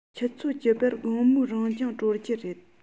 ཆུ ཚོད བཅུ པར དགོང མོའི རང སྦྱོང གྲོལ གྱི རེད